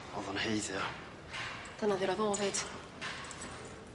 O'dd o'n haeddu o. Dyna ddedodd o 'fyd.